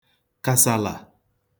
kàsàlà